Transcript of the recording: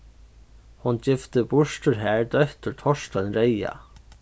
hon gifti burtur har dóttur torstein reyða